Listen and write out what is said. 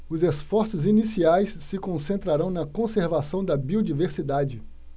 os esforços iniciais se concentrarão na conservação da biodiversidade